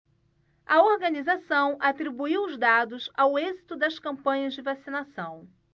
a organização atribuiu os dados ao êxito das campanhas de vacinação